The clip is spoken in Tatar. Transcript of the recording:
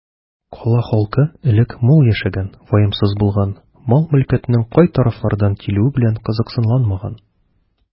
Кала халкы элек мул яшәгән, ваемсыз булган, мал-мөлкәтнең кай тарафлардан килүе белән кызыксынмаган.